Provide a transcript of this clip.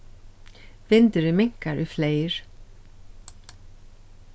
vindurin minkar í fleyr